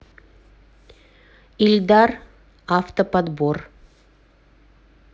ильдар авто подбор